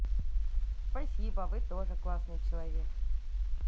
спасибо вы тоже очень классный человек